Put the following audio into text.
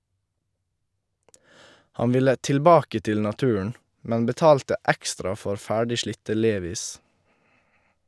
Han ville "tilbake til naturen" , men betalte ekstra for ferdig slitte Levi's.